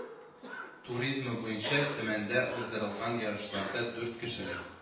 Туризмы буенча төмәндә уздырылган ярышларда дүрт кешелек